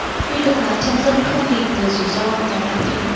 huy động vàng trong dân không vì ngừa rủi ro mà lãng phí